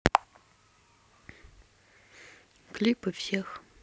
клипы всех